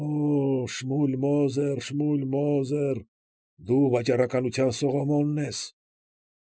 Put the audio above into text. Օ՜օ, Շմուլ Մոզեր, Շմուլ Մոզեր, դու վաճառականության Սողոմոնն ես։